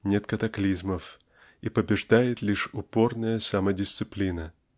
нет катаклизмов и побеждает лишь упорная самодисциплина.